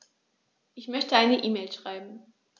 Ich möchte eine E-Mail schreiben.